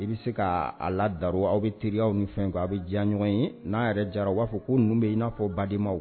I bɛ se k' a la da aw bɛ teri aw ni fɛn kuwa aw bɛ diya ɲɔgɔn ye n'a yɛrɛ jara u b'a fɔ ko nu bɛ yen i n'a fɔ ba di ma